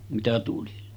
mitä tuli